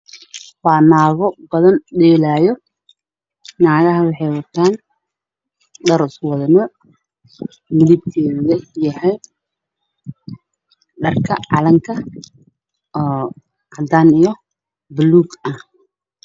Halkaan waxaa ka muuqdo maamooyin ciyaaraayo oo isku dhar ah ku labisan calanka somali. Waxayna qabaan gabasaar cadaan iyo Dirac buluug ah